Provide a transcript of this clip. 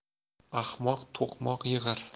ahmoq to'qmoq yig'ar